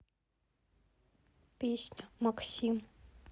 песня максим